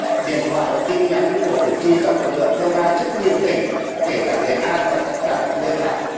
điện thoại và tin nhắn của cử tri trong lực lượng công an rất nhiều tỉnh kể cả nghệ an và tất cả các nơi khác